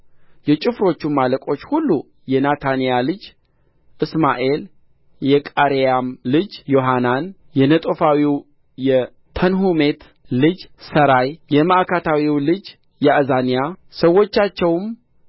የጭፍሮቹም አለቆች ሁሉ የናታንያ ልጅ እስማኤል የቃሬያም ልጅ ዮሐናን የነጦፋዊውም የተንሑሜት ልጅ ሠራያ የማዕካታዊውም ልጅ ያእዛንያ ሰዎቻቸውም